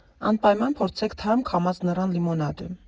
Անպայման փորձեք թարմ քամած նռան լիմոնադը։